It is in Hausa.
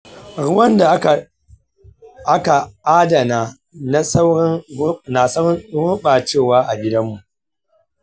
ruwan da aka adana na saurin gurɓacewa a gidanmu.